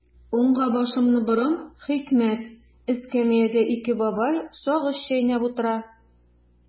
Уңга башымны борам– хикмәт: эскәмиядә ике бабай сагыз чәйнәп утыра.